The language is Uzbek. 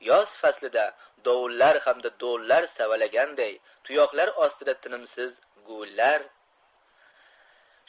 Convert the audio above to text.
yoz faslida dovullar hamda do'llar savalaganday tuyoqlar ostida tinimsiz guvillar